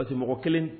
Basi mɔgɔ kelen